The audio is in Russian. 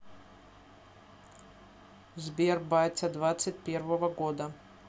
сбер батя двадцать первого года